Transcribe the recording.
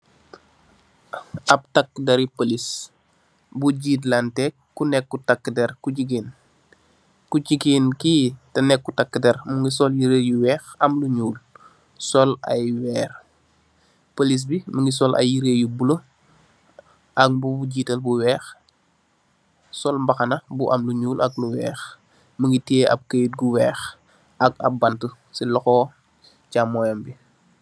Ab takederri palis bu jiitlantek ko nekut takeder ku jigeen, ku jigeen ki tanekut takeder, mingi sol yire yu weex am lu nyuul, sol ay weer, palis bi mingi sol ay yire yu bula, ak mbubu jital bu weex, sol mbaxana bu am lu nyuul ak lu weex, mingi tiye ab katyit gu weex, ak ab bante si loxo camonyam bi